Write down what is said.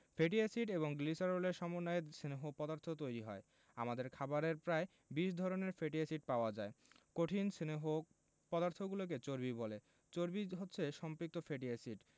fatty acid এবং গ্লিসারলের সমন্বয়ে স্নেহ পদার্থ তৈরি হয় আমাদের খাবারে প্রায় ২০ ধরনের ফ্যাটি এসিড পাওয়া যায় কঠিন স্নেহ পদার্থগুলোকে চর্বি বলে চর্বি হচ্ছে সম্পৃক্ত ফ্যাটি এসিড